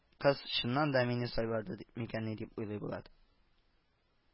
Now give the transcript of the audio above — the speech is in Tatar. Кыз чыннан да мине сайлады ди микәнни дип уйлый булат